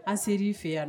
An ser'i fɛ yan la